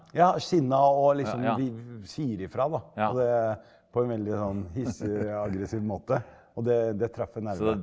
ja sinna og liksom sier ifra da ja og det på en veldig sånn hissig aggressiv måte og det det traff en nerve.